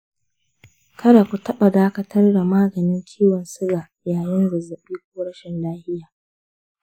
kada ku taɓa dakatar da maganin ciwon suga yayin zazzaɓi ko rashin lafiya.